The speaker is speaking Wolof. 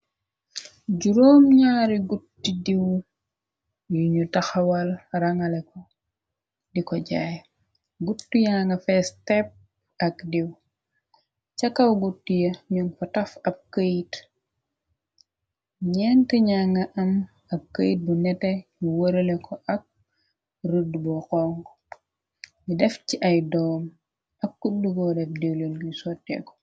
juróom ñaari gutti diiw yuñu taxawal rangale ko di ko jaay gutu yanga fees tepp ak diw ca kaw gut ya ñum fa taf ab këyt nent ñanga an ab këyt bu nete yu wërale ko ak rud bu xongko def ci ay doom ak kudd gu def diw len gu sottee ko.